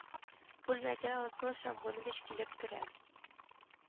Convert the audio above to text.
Бүлмәгә асыл шәмгунович килеп керә